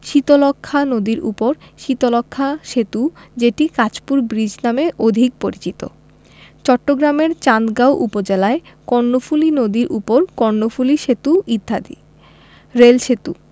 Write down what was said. শীতলক্ষ্যা নদীর উপর শীতলক্ষ্যা সেতু যেটি কাঁচপুর ব্রীজ নামে অধিক পরিচিত চট্টগ্রামের চান্দগাঁও উপজেলায় কর্ণফুলি নদীর উপর কর্ণফুলি সেতু ইত্যাদি রেল সেতু